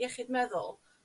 iechyd meddwl.